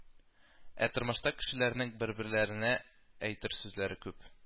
Ә тормышта кешеләрнең берберләренә әйтер сүзләре күп